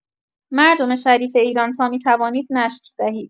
مردم شریف ایران تا می‌توانید نشر دهید